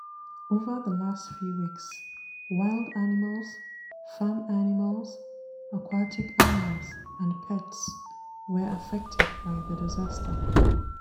Over the last few weeks, wild animals, farm animals, aquatic animals and pets were affected by the disaster.